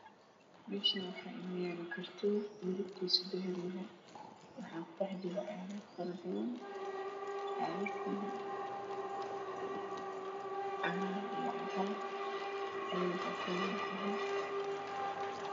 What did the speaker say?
Meshan waxaa ino yalo karton kalar kisi waa dahabi waxaa kudhejiro cagag badan kalar kode waa cagar iyo cadan